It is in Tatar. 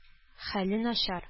Хәле начар